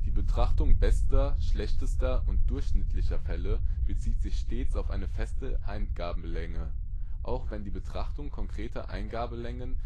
Betrachtung bester, schlechtester und durchschnittlicher Fälle bezieht sich stets auf eine feste Eingabelänge. Auch wenn die Betrachtung konkreter Eingabelängen